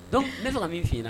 Donc n be fɛ ka min f' i ɲɛna